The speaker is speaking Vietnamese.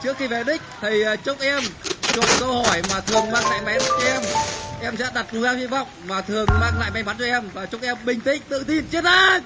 trước khi về đích thầy chúc em chọn câu hỏi mà thường mang lại may mắn cho em em sẽ đặt ngôi sao hy vọng mà thường mang lại may mắn cho em và chúc em bình tĩnh tự tin chiến thắng